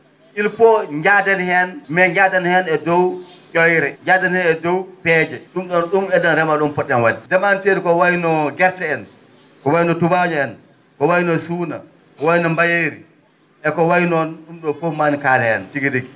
il faut njaaden heen mais njaaden heen e dow ?o?re njaaden heen e dow peeje ?um ?on ?um enen remoo?e ko ?um po??en wa?de ndemanteeri ko wayi no gerte en ko wayi no tubaañoo en ko wayi no suuna ko wayi no mbayeeri e ko wayi noon ?um ?oo fof ma en kaal heen tigi rigi